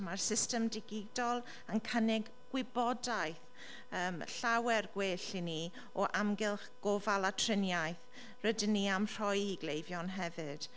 Mae'r system digidol yn cynnig gwybodaeth yym llawer gwell i ni, o amgylch gofal a triniaeth rydym ni am roi i gleifion hefyd.